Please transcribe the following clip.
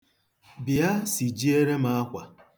Bịa, sijiere m akwa.